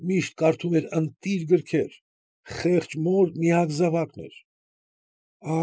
Միշտ կարդում էր ընտիր գրքեր։ Խեղճ մոր միակ զավակն էր։